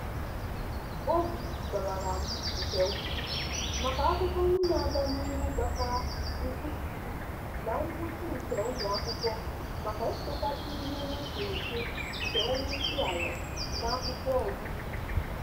Obi gbawara m nke ukwuu maka akụkọ ndị na-aga n'ihu gbasara nkwụsịtụ na nwụchi nke ụmụakwụkwọ maka idekasị ihe n'eserese nke onyeisiala n'akwụkwọ ọgụgụ.